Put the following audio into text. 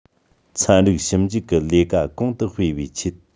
ཚན རིག ཞིབ འཇུག གི ལས ཀ གོང དུ སྤེལ བའི ཆེད